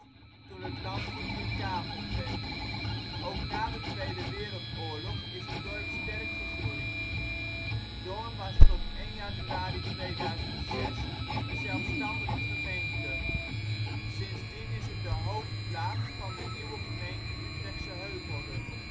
toen het landgoed verkaveld werd. Ook na de Tweede Wereldoorlog is het dorp sterk gegroeid. Doorn was tot 1 januari 2006 een zelfstandige gemeente. Sindsdien is het de hoofdplaats van de nieuwe gemeente Utrechtse Heuvelrug